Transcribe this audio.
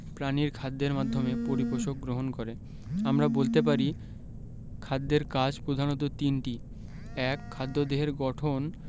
প্রাণীর খাদ্যের মাধ্যমে পরিপোষক গ্রহণ করে আমরা বলতে পারি খাদ্যের কাজ প্রধানত তিনটি ১. খাদ্য দেহের গঠন